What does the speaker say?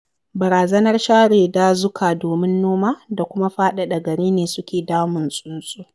Barazanar share dazuka domin noma da kuma faɗaɗa gari ne suke damun tsuntsun.